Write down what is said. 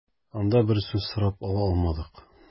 Анда без сүз сорап ала алмадык.